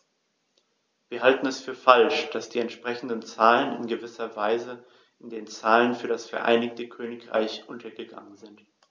Wir halten es für falsch, dass die entsprechenden Zahlen in gewisser Weise in den Zahlen für das Vereinigte Königreich untergegangen sind.